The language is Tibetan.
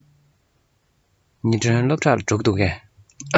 ཉི སྒྲོན སློབ གྲྭར འགྲོ གི འདུག གས